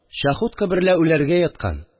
Чахотка берлә үләргә яткан